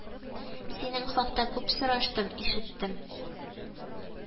Синең хакта күп сораштым, ишеттем